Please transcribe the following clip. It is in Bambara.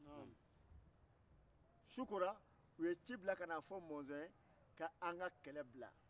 su kolen u ye ci bila ka n'a fɔ mɔzɔn ye ko u ka kɛlɛ bila